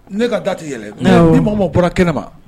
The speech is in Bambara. Ne ka da tɛ yɛlɛ ni bɔra kɛnɛ ma